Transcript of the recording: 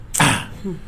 Aa